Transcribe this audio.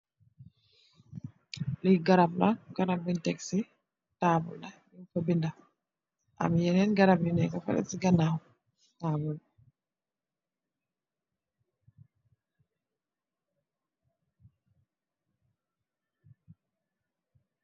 Li garap la, garap buñ tek ci tabull la, am yenen garap yu nekka galleh ci ganaw.